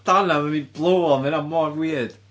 Danneddd yn ei blowhole. Mae hynna mor weird.